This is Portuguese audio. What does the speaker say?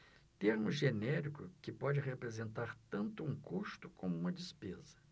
termo genérico que pode representar tanto um custo como uma despesa